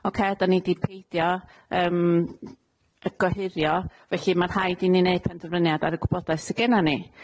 Ocê? 'Dan ni 'di peidio yym y gohirio, felly ma'n rhaid i ni neud penderfyniad ar y gwbodaeth sy gennan ni.